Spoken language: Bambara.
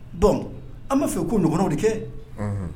Bɔn an b'a fɔ yen ko ɲɔgɔnw de kɛ